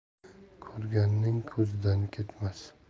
ko'rganning ko'zidan ketmas